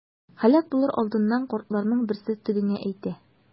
Һәлак булыр алдыннан картларның берсе тегеңә әйтә.